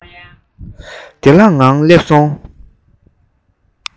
བདེ བླག ངང སླེབས སོང